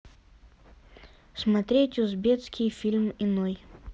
смотреть узбекский фильм иной